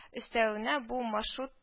Өстәвенә, бу маршрут